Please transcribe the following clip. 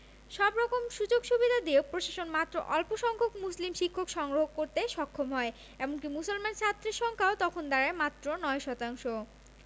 সব রকম সুযোগসুবিধা দিয়েও প্রশাসন মাত্র অল্পসংখ্যক মুসলিম শিক্ষক সংগ্রহ করতে সক্ষম হয় এমনকি মুসলমান ছাত্রের সংখ্যাও তখন দাঁড়ায় মাত্র ৯ শতাংশ